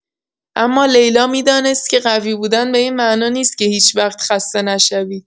اما لیلا می‌دانست که قوی بودن به این معنا نیست که هیچ‌وقت خسته نشوی.